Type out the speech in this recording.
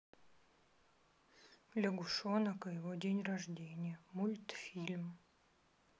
лягушонок и его день рождения мультфильм